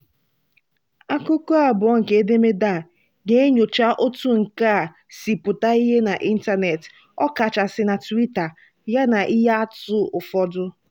Akụkụ II nke edemede a ga-enyocha otú nke a si pụta ihe n'ịntaneetị, ọkachasị na Twitter, yana ihe atụ ụfọdụ.